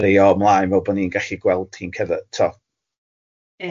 a roi o ymlaen fel bod ni'n gallu gweld hi'n cerdded tibod... Ie.